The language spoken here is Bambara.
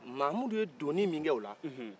mamudu ye donin min k' ola